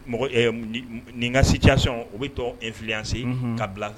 Mɔgɔ ɛ nin ka situation o bɛ tɔw influencer . Unhun. Ka